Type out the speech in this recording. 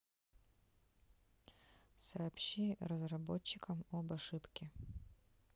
сообщи разработчикам об ошибке